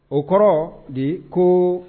O kɔrɔ di ko